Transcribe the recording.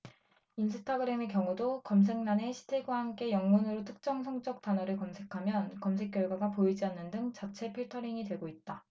인스타그램의 경우도 검색란에 해시태그와 함께 영문으로 특정 성적 단어를 검색하면 검색 결과가 보이지 않는 등 자체 필터링이 되고 있다